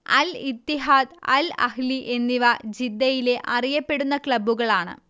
അൽ Ittihad Al Ahli എന്നിവ ജിദ്ദയിലെ അറിയപ്പെടുന്ന ക്ലബ്ബുകളാണ്